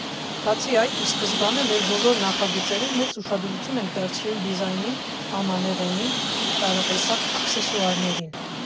Բացի այդ, ի սկզբանե մեր բոլոր նախագծերում մեծ ուշադրություն ենք դարձրել դիզայնին, ամանեղենին, տարատեսակ աքսեսուարներին։